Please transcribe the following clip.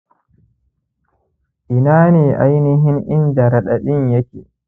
ina ne ainihin inda raɗaɗin ya ke